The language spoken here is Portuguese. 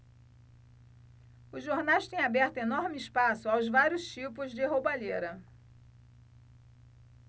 os jornais têm aberto enorme espaço aos vários tipos de roubalheira